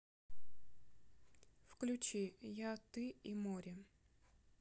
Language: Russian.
включи я ты и море